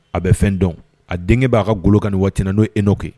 A bɛ fɛn dɔn a denkɛ b'a ka golokan nin waati n'o e n'o kɛ